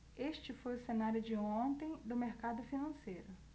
este foi o cenário de ontem do mercado financeiro